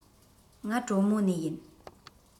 ང གྲོ མོ ནས ཡིན